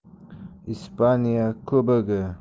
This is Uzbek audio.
ispaniya kubogi